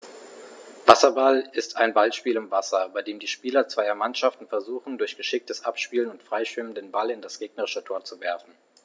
Wasserball ist ein Ballspiel im Wasser, bei dem die Spieler zweier Mannschaften versuchen, durch geschicktes Abspielen und Freischwimmen den Ball in das gegnerische Tor zu werfen.